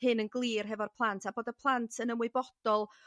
hyn yn glir hefo'r plant â bod y plant yn ymwybodol